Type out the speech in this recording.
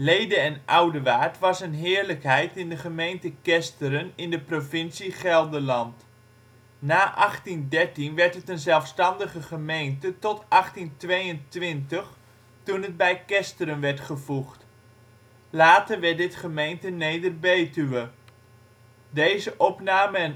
ede en Oudewaard was een heerlijkheid in de gemeente Kesteren in de provincie Gelderland. Na 1813 werd het een zelfstandige gemeente tot 1822, toen het bij Kesteren werd gevoegd. Later werd dit gemeente Neder-Betuwe. Plaatsen in de gemeente Neder-Betuwe Dorpen: Dodewaard · Echteld · IJzendoorn · Kesteren · Ochten · Opheusden Buurtschappen: Den Akker · Eldik · Hien · Hoogbroek · Lede en Oudewaard · Ooij · Pottum · Wely Gelderland: Steden en dorpen in Gelderland Nederland: Provincies · Gemeenten 51° 56′ NB